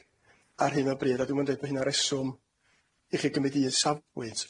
A fydda i'n cau'r bleidlais mewn eiliad.